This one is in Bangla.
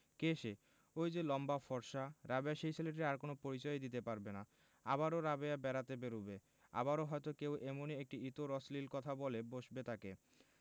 কে সে ঐ যে লম্বা ফর্সা রাবেয়া সেই ছেলেটির আর কোন পরিচয়ই দিতে পারবে না আবারও রাবেয়া বেড়াতে বেরুবে আবারো হয়তো কেউ এমনি একটি ইতর অশ্লীল কথা বলে বসবে তাকে